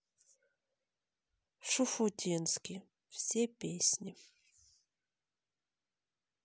шуфутинский все песни